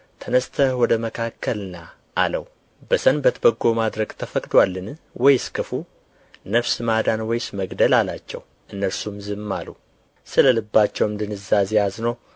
ተነሥተህ ወደ መካከል ና አለው በሰንበት በጎ ማድረግ ተፈቅዶአልን ወይስ ክፉ ነፍስ ማዳን ወይስ መግደል አላቸው እነርሱም ዝም አሉ ስለ ልባቸውም ድንዛዜ አዝኖ